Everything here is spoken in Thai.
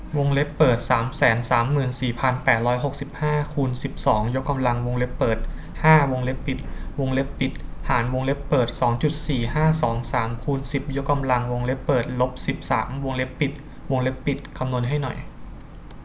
วงเล็บเปิดสามแสนสามหมื่นสี่พันแปดร้อยหกสิบห้าคูณสิบสองยกกำลังวงเล็บเปิดห้าวงเล็บปิดวงเล็บปิดหารวงเล็บเปิดสองจุดสี่ห้าสองสามคูณสิบยกกำลังวงเล็บเปิดลบสิบสามวงเล็บปิดวงเล็บปิดคำนวณให้หน่อย